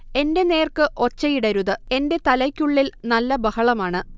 എന്റെ നേർക്ക്ഒച്ചയിടരുത് എന്റെ തലയ്ക്കുള്ളിൽ നല്ല ബഹളമാണ്